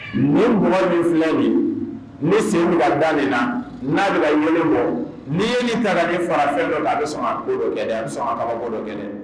Ni mɔgɔ ni filɛ min ne senda na'a de welelen bɔ nii ye ni taara fara fɛn dɔ la a bɛ sɔn kodɔn kɛ a bɛ sɔn kaba dɔ kɛ